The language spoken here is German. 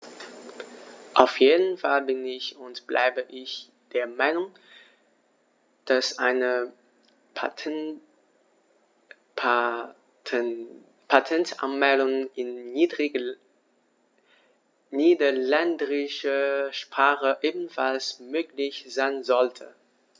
Auf jeden Fall bin - und bleibe - ich der Meinung, dass eine Patentanmeldung in niederländischer Sprache ebenfalls möglich sein sollte.